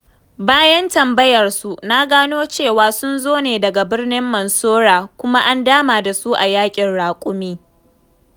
Bayan tambayar su, na gano cewa, sun zo ne daga birnin Mansoura kuma an dama da su a ''Yaƙin Raƙumi''